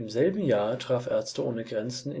selben Jahr traf Ärzte ohne Grenzen